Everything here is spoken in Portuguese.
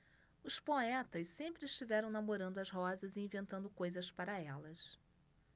os poetas sempre estiveram namorando as rosas e inventando coisas para elas